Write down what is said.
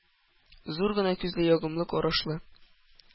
Зур гына күзле, ягымлы карашлы,